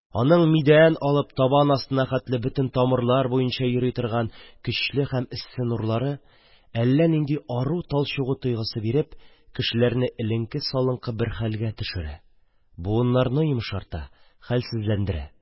Аның мидән алып табан астына хәтле бөтен тамырлар буенча йөри торган, көчле һәм эссе нурлары әллә нинди ару-талчыгу тойгысы биреп, кешеләрне эленке-салынкы бер хәлгә төшерә, буыннарны йомшарта, хәлсезләндерә